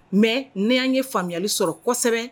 Mais ne an ye faamuyali sɔrɔ kosɛbɛ